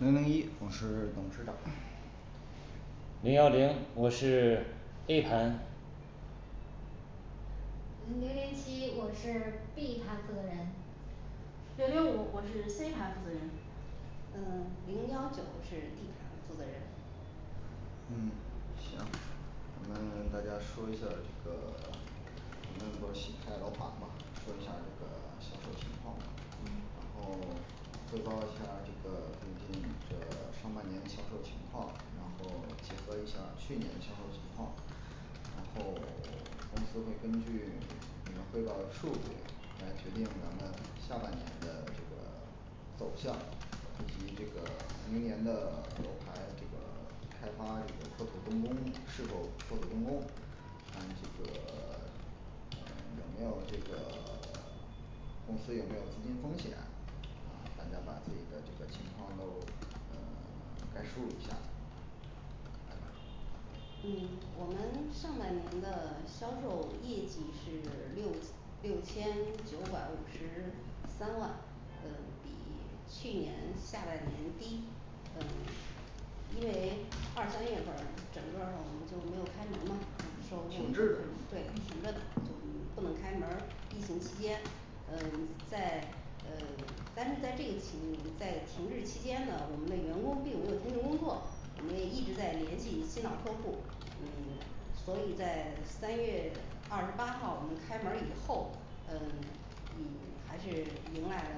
零零一我是董事长 零幺零我是A盘零零七我是B盘负责人零零五我是C盘负责人呃零幺九我是D盘负责人嗯行。我们大家说一下儿这个 咱们不是新开楼盘嘛说一下儿这个销售情况嗯然后汇报一下儿这个最近这呃上半年的销售情况，然嗯后结合一下儿去年的销售情况然后 公司会根据 你们汇报的数据来决定咱们下半年的这个走向以及这个明年的楼盘这个开发这个破土动工是否破土动工还有这个 呃有没有这个 公司有没有资金风险呃大家把这个这个情况都呃 概述一下儿嗯我们上半年的销售业绩是六六千九百五十三万呃比去年下半年低呃 因为诶二三月份儿整个儿上我们就没有开门儿吗收停入，滞对嗯停着的就不能开门儿疫情期间呃在呃但是在这个期在停止期间呢我们的员工并没有停止工作我们也一直在联系新老客户儿呃所以在三月的二十八号儿我们开门儿以后呃 嗯还是迎来了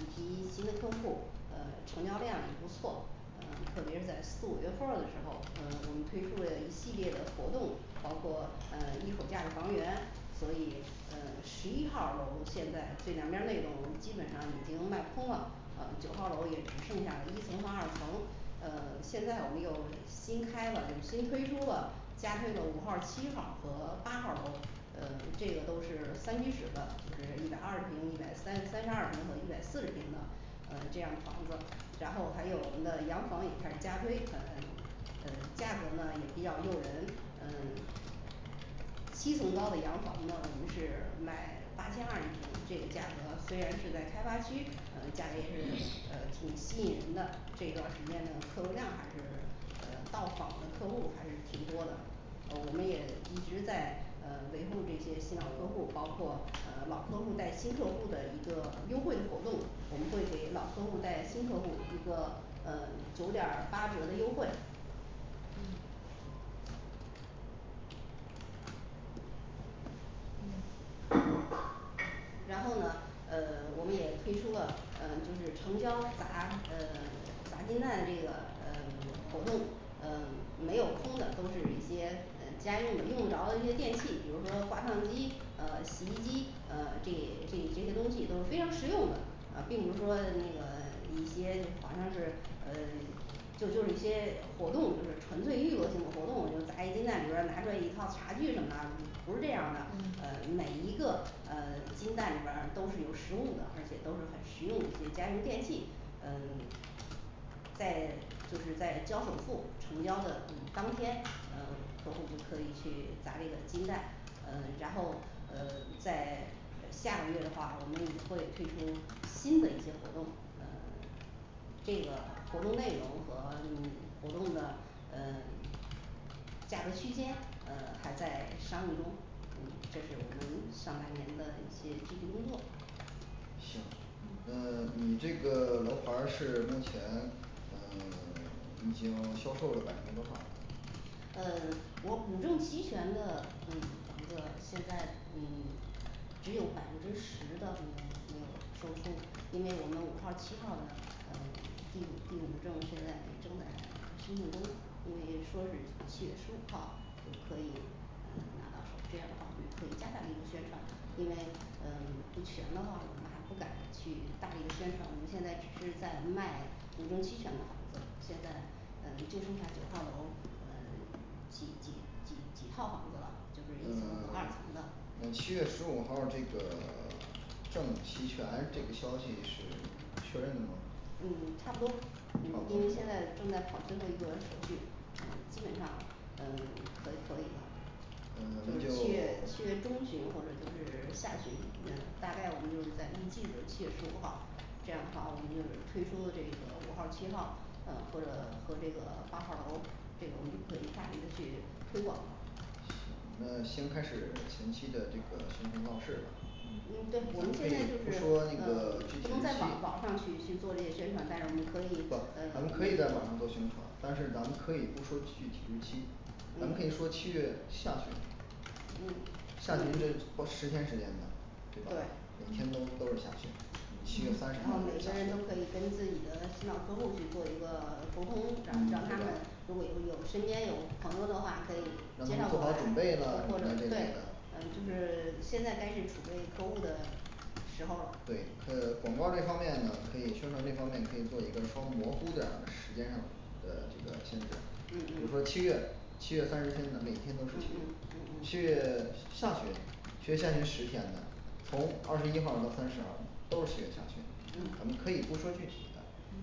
一批新的客户呃成交量也不错呃特别是在四五月份儿的时候呃我们推出了一系列的活动包括呃一口价儿的房源所以呃十一号儿楼现在最南边那栋楼基本上已经卖空了呃九号楼，也只剩下一层和二层。 呃现在我们又新开了就新推出了加推的五号儿七号儿和八号儿楼呃这个都是三居室的，就是一百二十平一百三十三十二平和一百四十平的呃这样的房子然后还有我们的洋房也开始加推，咱们呃价格呢也比较诱人嗯 七层高的洋房呢我们是卖八千二一平这种价格，虽然是在开发区，呃价格也是呃挺吸引人的，这段儿时间的客流量还是呃到访的客户还是挺多的呃我们也一直在呃维护这些新老客户儿，包括呃老客户儿带新客户儿的一个优惠活动，我们会给老客户带新客户儿一个呃九点儿八折的优惠嗯嗯然后呢呃我们也推出了呃就是成交砸呃砸金蛋那个呃活动，呃没有空的都是一些家用的用得着的一些电器，比如说挂烫机呃洗衣机呃这这这些东西都是非常实用的呃并不是说那个一些就好像是呃这就是一些活动，就是纯粹娱乐性活动，就砸一金蛋里边儿拿出来一套茶具什么的不是这样的呃每一个呃金蛋里边儿都是有实物的而且都是很实用的一些家用电器嗯 嗯在就是交首付成交的当天，呃客户就可以去砸这个金蛋呃然后呃再呃下个月的话我们会推出新的一些活动呃 这个活动内容和活动的呃价格区间，呃还在商议中嗯这是我们上半年的一些具体工作行嗯呃你这个楼盘儿是目前呃 已经销售了百分之多少呃我五证齐全的嗯房子现在嗯 只有百分之十的嗯 嗯售出，因为我们五儿号七号儿的呃第第五证现在正在私募中因为说是七月十五号儿就可以拿到手，这样的话我们可以加大力度宣传，因为呃不全的话，我们还不敢去大力宣传，我们现在只是在卖五证齐全的房子，现在呃就剩下九号楼呃 几几几几套房子了就是一层和二层的那七月十五号这个 证齐全，这个消息是确认的吗嗯差不多，嗯差因为不现在多正在跑最后一个手续，嗯基本上呃可可以了呃这七月就七月中旬或者就是下旬，嗯大概我们就是在嗯七月七月十五号儿这样的话我们就是推出了这个五号儿七号儿呃或者和这个八号儿楼，这个我们就可以大力的去推广行，那先开始前期的这个宣传造势啊嗯嗯对我们现在就推是出这那个个具体不能在网网明细上去去做这些宣传但是我们可不以咱们可呃以在网上做宣传但是咱们可以不说具体的日期咱们可嗯以说七月下旬嗯下个月这到十天时间呢对吧对每天都都是下旬什么嗯每个人七月三十号都可以跟自己的新老客户去做一个沟通然嗯后让他们对如果以后有身边有朋友的话可以让介他绍们过做来好准备了或咱者们的这个对呃就是现在该去储备客户儿的时候儿对呃广告这方面你们可以宣传这方面可以做一个稍模糊点儿的时间上呃这个限制就比如说七月七月三十天咱每天嗯嗯嗯都是七月嗯七月下旬七月下旬十天的从二十一号到三十号都是七月下旬咱们嗯可以不说具体的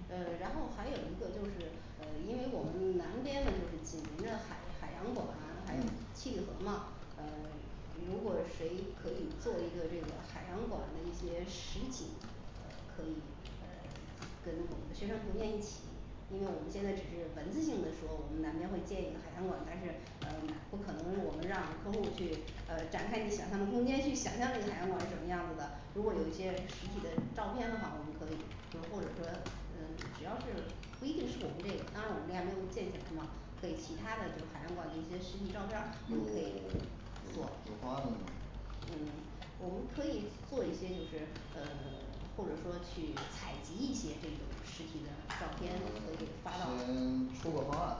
嗯呃然后还有一个就是呃因为我们南边呢就是紧邻这海海洋馆还有嗯七里河嘛呃如果谁可以做一个这个海洋馆的一些实景呃可以呃跟宣传图片一起因为我们现在只是文字性的说，我们南边儿会建一个海洋馆，但是不可能我们让客户儿去呃展开你想象的空间，去想象这个海洋馆是什么样子的如果有一嗯些实体的照片的话，我们可以就或者说呃只要是不一定是我们这个，当然我们这样就建起来了，给其它的这个海洋馆的一些实体照片儿有就 有可以吗有方案了吗呃我们可以做一些就是呃 或者说去采集一些这种实体的呃照 先片，可以发到 做个方案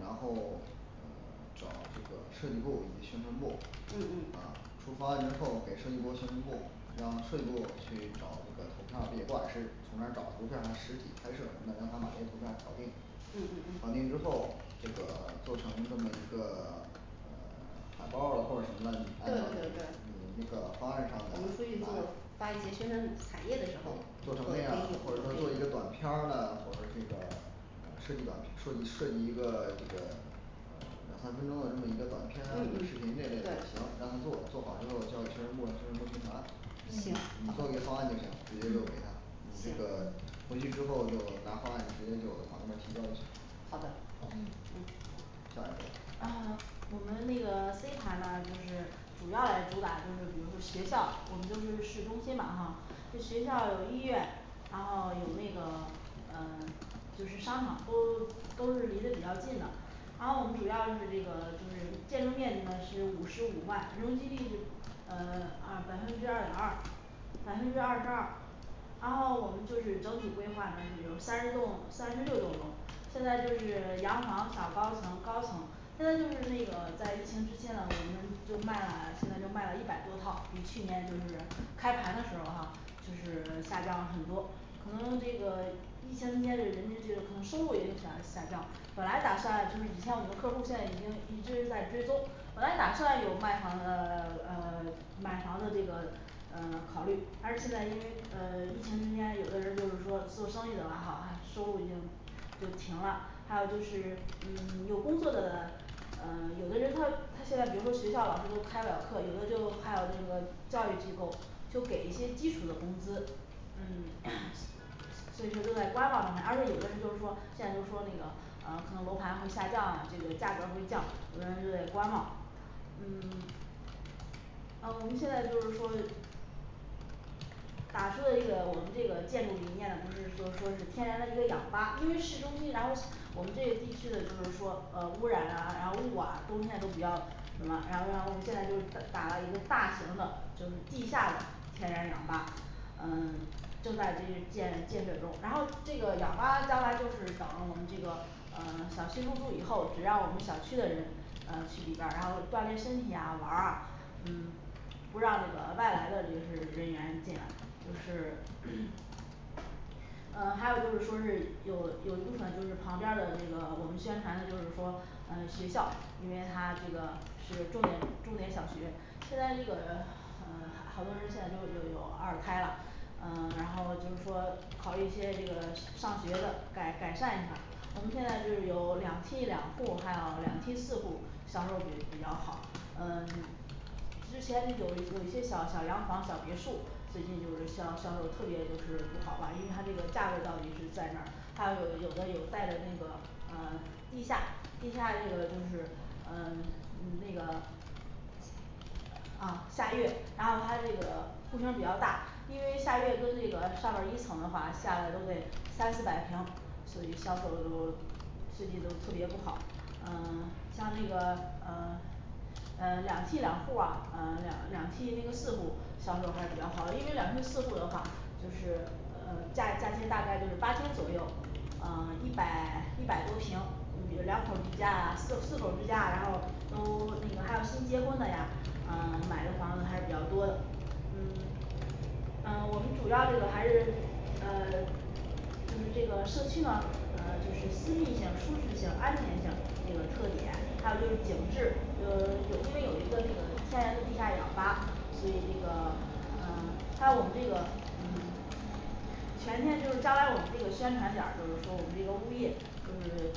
然后呃 找这个设计部儿和宣传部儿嗯呃嗯出方案之后给设计部儿和宣传部儿让设计部儿去找那个图像绘画师，从哪找图像师实体拍摄什么的让他把那个图片儿搞定嗯，嗯嗯搞定之后这个做成这么一个呃 海报或者什么的你对对对我们出安排那个方案上的去多发一些宣传彩页的时候做就成可那样或者做一以些有短片儿了或者说这个呃涉及到设设计一个这个呃两三分钟的这么一个短片一个视嗯嗯频这个也行，赶紧做做好之后交给宣传部让宣传部宣行传就给方案就行你就给他嗯你这个回去之后就拿方案直接就把它提交就行好的嗯嗯下一个呃我们那个C盘呐就是主要嘞主打就是比如说学校，我们就是市中心吧哈这学校有医院，然后有那个呃就是商场都都是离得比较近的然后我们主要是这个就是建筑面积呢是五十五万，容积率是呃二百分之二点儿二百分之二十二然后我们就是整体规划呢是有三十栋三十六栋楼，现在就是洋房小高层高层现在就是那个在疫情期间呢，我们就卖了现在就卖了一百多套，比去年就是开盘的时候儿哈就是下降了很多可能这个疫情期间这人民这可能收入也就下下降本来打算就是以前我们的客户儿现在已经一直在追踪本来打算有卖房呃 呃 买房的这个呃考虑但是现在因为呃疫情期间有的人就是说做生意的吧哈他收入已经就停了，还有就是嗯 有工作的呃 有的人他他现在比如说学校老师都开不了课，有的就还有这个教育机构就给一些基础的工资嗯 所以说都在观望状态，而且有的人就是说现在就说那个呃可能楼盘会下降这个，价格儿会降，有人是在观望嗯 啊我们现在就是说打出的这个我们这个建筑理念不是就是说是天然的一个氧吧因为市中心然后我们这些地区的就是说呃污染啊，然后雾啊冬天都比较什么，然后然后我们现在就打打了一个大型的就是地下的天然氧吧呃 正在就是建建设中，然后这个氧吧将来就是等我们这个呃小区入住以后，只让我们小区的人呃去里边儿，然后锻炼身体啊玩啊嗯不让那个外来的就是人员进来就是 呃还有就是说是有有一部分就是旁边儿的这个我们宣传的就是说呃学校因为它这个是重点重点小学，现在这个呃好好多人现在就有有二胎了呃然后就是说考虑一些这个学 上学的改改善一下儿我们现在就是有两梯两户儿，还有两梯四户儿销售比比较好呃 之前有有一些小小洋房小别墅，最近就是销销售特别就是不好吧，因为它这个价格到底是在那儿还有有的有带的那个呃地下地下这个就是呃那个噢下跃然后它这个户型比较大，因为下跃跟这个上面儿一层的话下来都得三四百平所以销售都最近都特别不好呃像那个呃呃两梯两户儿啊呃两两梯那个四户儿销售还是比较好，因为两梯四户儿的话，就是呃价价钱大概就是八千左右呃 一百一百多平，嗯两口之家啊，四四口之家啊，然后都那个还有新结婚的呀，呃买的房子还是比较多的嗯呃我们主要这个还是呃就是这个社区呢呃就是私密性、舒适性、安全性这个特点还有就是景致呃因为有一个那个天然的地下氧吧所以这个呃还有我们这个嗯全天就是抓来我们这个宣传点儿，就是说我们这个物业就是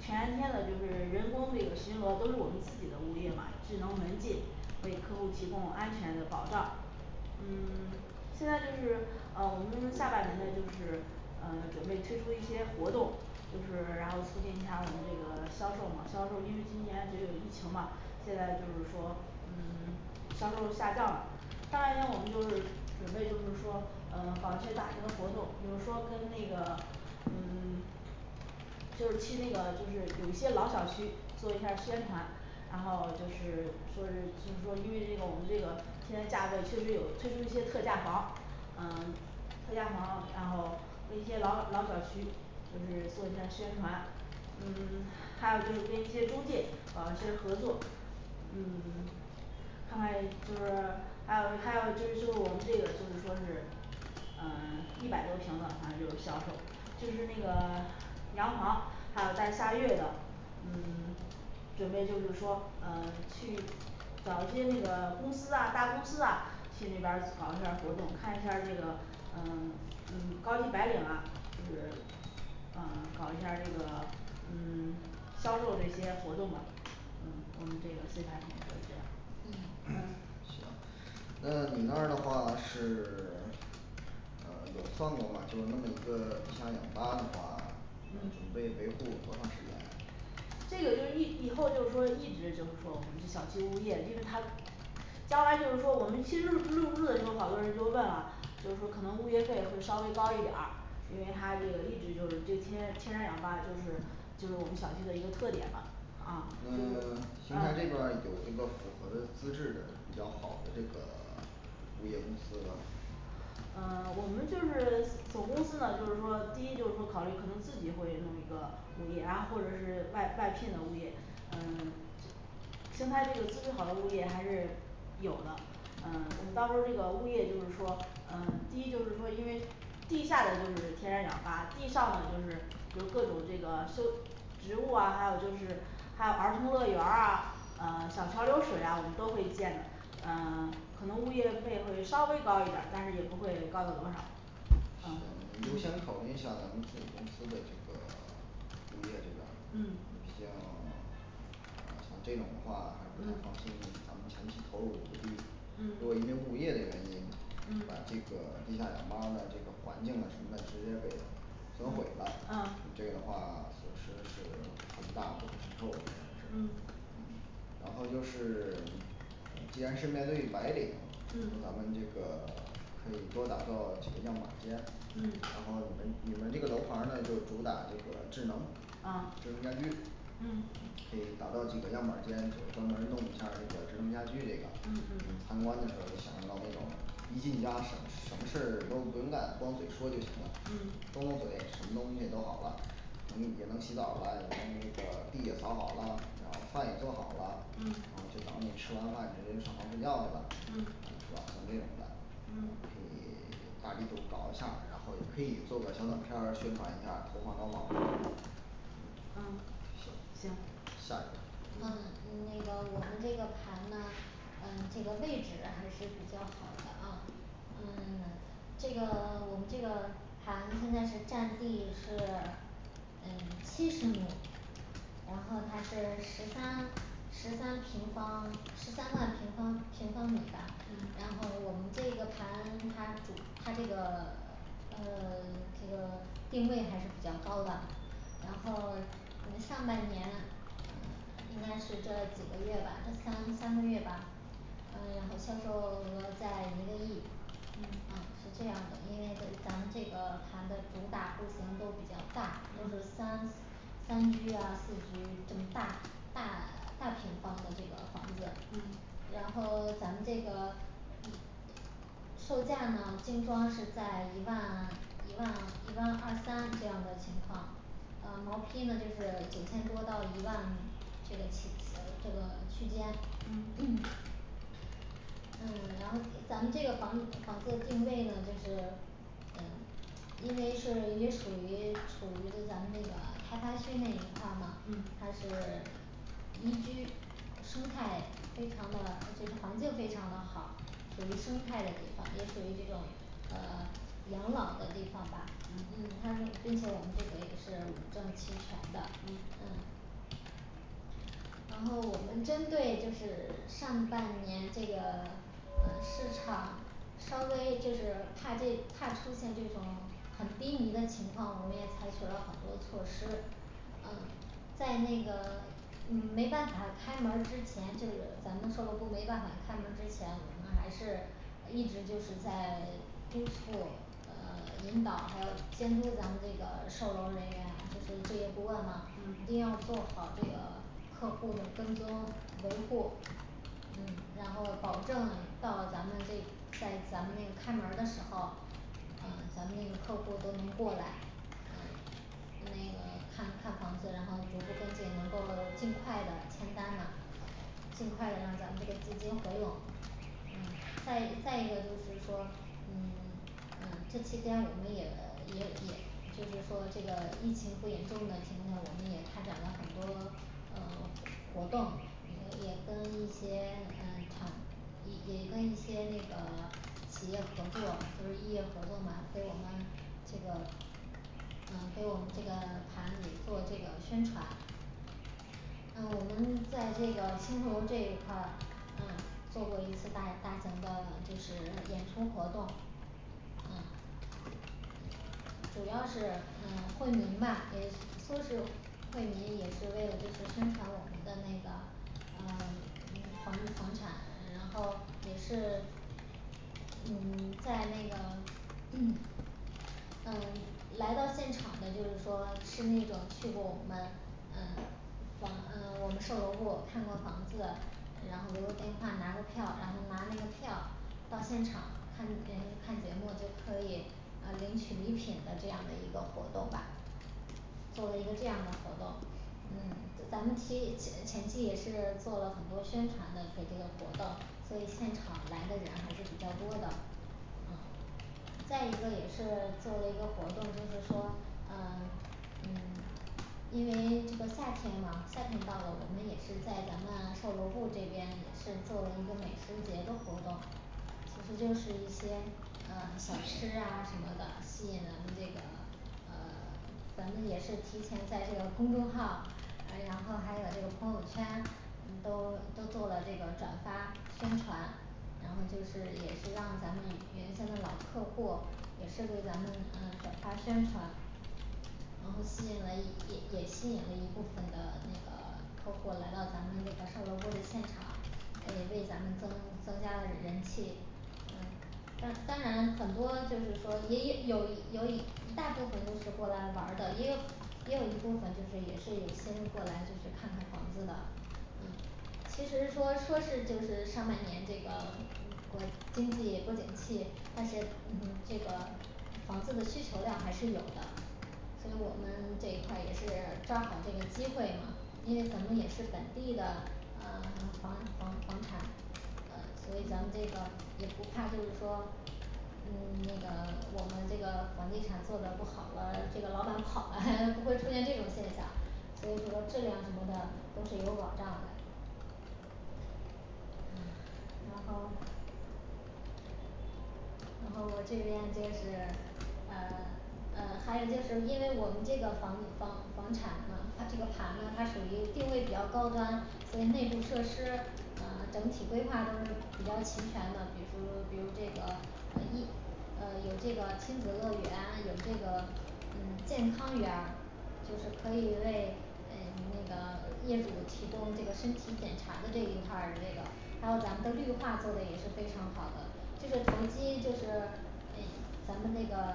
全天的就是人工这个巡逻都是我们自己的物业嘛智能门禁为客户提供安全的保障嗯 现在就是呃我们下半年呢就是呃准备推出一些活动就是然后促进一下儿我们这个销售嘛销售，因为今年这个疫情嘛，现在就是说嗯 销售下降了，下半年我们就是准备就是说呃搞一些大型的活动，比如说跟那个嗯 就是去那个就是有一些老小区做一下儿宣传然后就是说是就是说是因为这个我们这个现在价位确实有推出一些特价房儿呃 特价房然后那些老老小区就是做一下儿宣传嗯还有就是跟一些中介搞一些合作嗯 看看就是还有还有就是我们这个就是说是呃一百多平的反正就是销售就是那个洋房还有带下跃的嗯 准备，就是说呃去找一些那个公司啊大公司啊去那边儿搞一下儿活动，看一下儿这个呃嗯高级白领啊就是呃搞一下这个嗯 销售这些活动吧嗯我们这个C盘就是这样嗯嗯 嗯行那你那儿的话是 呃有算过吗就那么一个天然氧吧的话准嗯备维护多长时间的这个就是以以后就是说一直就是说我们这小区物业，因为他将来就是说我们新入住 入入的时候儿好多人就问了就是说可能物业费会稍微高一点儿因为它这个一直就是这天天然氧吧就是就是我们小区的一个特点吧啊呃就 邢台这嗯边有那个符合的资质比较好的这个物业公司吗呃我们就是总公司呢就是说第一就是说考虑可能自己会弄一个物业，然后或者是外外聘的物业呃 邢台这个资质好的物业还是有的呃我们到时候儿这个物业就是说呃第一就是说因为地下的就是天然氧吧地上呢就是就是各种这个修植物啊还有就是还有儿童乐园儿啊呃小桥流水啊我们都会建的呃 可能物业费会稍微高一点儿，但是也不会高到多少行呃你们就先考虑一下儿咱们自己公司的这个 物业这边儿嗯毕竟呃像这种的话你们放嗯心咱们前期投入不低如嗯果因为物业的原因，把嗯这个地下氧吧的这个环境什么的直接给都有嗯吧那么啊这个的话此时是恒大或者是周围的人嗯然后就是一 呃既然是面对白领嗯咱们这个可以多打造几个样板间，嗯然后你们你们这个楼盘儿呢就主打这个智能啊智能家居嗯可以打造几个样板间，就专门弄一下儿智能家居这个。嗯嗯参观的时候儿就想到那种一进家什么什么事儿都不用干，光用嘴说就行了嗯动动嘴什么东西都好了可能也能洗澡了，然后那个地也扫好了，然后饭也做好了，然嗯后就等你吃完饭直接上床睡觉了是吧嗯像这种的嗯呃可以大力度搞一下儿，然后也可以做个小短片儿宣传一下，投放在网上等等这嗯个行行下一个嗯那个我们这个盘呐呃这个位置还是比较好的啊呃 这个我们这个盘现在是占地是 呃七十亩然后它是十三十三平方十三万平方平方米吧嗯然后我们这个盘它主它这个呃 这个定位还是比较高的然后那上半年呃应该是这几个月吧这三三个月吧呃然后销售额在一个亿嗯呃是这样的，因为这咱们这个盘的主打户型都比较大，都是嗯三次三居啊四居这么大大大平方的这个房子，嗯然后咱们这个嗯售价呢精装是在一万一万一万二三这样的情况呃毛坯呢就是九千多到一万这个区呃这个区间嗯 呃然后咱们这个房房子的定位呢就是呃因为是也属于处于在咱们那个开发区那一块嘛嗯它是宜居生态非常的就是环境非常的好属于生态的地方，也属于这种呃养老的地方吧嗯嗯它并且我们也是五证齐全的嗯嗯然后我们针对就是上半年这个呃市场稍微就是怕这怕出现这种很低迷的情况，我们也采取了很多措施呃在那个嗯没办法开门儿之前，就是咱们售楼部没办法开门儿之前，我们还是呃一直就是在督促呃引导，还有监督咱们这个售楼人员，就是这些顾问嘛嗯一定要做好这个客户的跟踪维护嗯然后保证到咱们这 在咱们那个开门儿的时候儿呃咱们那个客户都能过来呃那个看看房子，然后逐步跟进，能够尽快的签单嘛尽快的让咱们这个资金回笼呃再一再一个就是说嗯 呃这期间我们也也也就是说这个疫情不严重的情况下，我们也开展了很多呃活活动这个也跟一些呃厂 也也跟一些那个企业合作，就是异业合作嘛给我们这个呃给我们这个盘也做这个宣传呃我们在这个清风楼这一块儿呃做过一次大大型的就是演出活动呃主要是呃惠民吧也说是惠民，也是为了就是宣传我们的那个呃嗯房儿房产，然后也是呃 在那个呃来到现场的就是说是那种去过我们呃房呃我们售楼部看过房子的然后留个电话拿过票，然后拿那个票到现场看呃看节目就可以呃领取礼品的这样的一个活动吧做了一个这样的活动嗯咱们提前前期也是做了很多宣传的给这个活动，所以现场来的人还是比较多的嗯再一个也是做了一个活动就是说呃 嗯 因为这个夏天嘛夏天到了，我们也是在咱们售楼部这边也是做了一个美食节的活动其实就是一些呃小吃啊什么的吸引咱们这个呃 咱咱们也是提前在这公众号呃然后还有这个朋友圈都都做了这个转发宣传然后就是也是让咱们原先的老客户也是为咱们嗯转发宣传然后吸引了一也也吸引了一部分的那个客户来到咱们那个售楼部的现场诶为咱们增增加了人气嗯当当然很多就是说也有有一有一一大部分过来玩儿的，也有也有一部分就是也是有心儿过来就是看看房子的嗯其实说说是就是上半年这个嗯国经济不景气，但是嗯哼这个房子的需求量还是有的所以我们这一块儿也是抓好这个机会嘛因为咱们也是本地的呃 房房房产呃所以咱们这个也不怕，就是说嗯 那个我们这个房地产做的不好了，这个老板跑了 不会出现这种现象所以这个质量什么的都是有保障嘞然后然后我这边就是呃呃还有就是因为我们这个房房房产呐它这个盘呢它属于定位比较高端所以内部设施呃整体规划都是比较齐全的，比如比如这个呃一呃有这个亲子乐园，有这个嗯健康园儿就是可以为嗯那个业主提供这个身体检查的这一块儿的这个还有咱们的绿化做的也是非常好的就是投机就是诶咱们这个